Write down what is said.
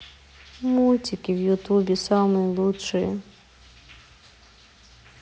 мультики в ютубе самые лучшие